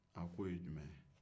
a ko o ye jumɛn ye